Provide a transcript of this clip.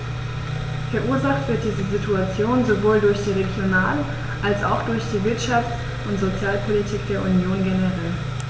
Verursacht wird diese Situation sowohl durch die Regional- als auch durch die Wirtschafts- und Sozialpolitik der Union generell.